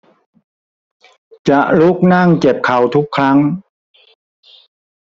จะลุกนั่งเจ็บเข่าทุกครั้ง